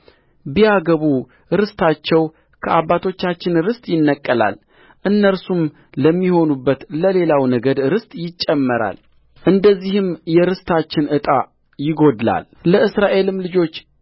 ቢያገቡ ርስታቸው ከአባቶቻችን ርስት ይነቀላል እነርሱም ለሚሆኑበት ለሌላው ነገድ ርስት ይጨመራል እንደዚህም የርስታችን ዕጣ ይጐድላልለእስራኤልም ልጆች